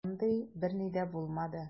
Андый берни дә булмады.